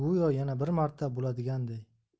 yana bir marta bo'ladiganday